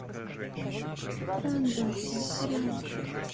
ран вася ран